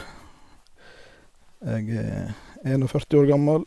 Jeg er en og førti år gammel.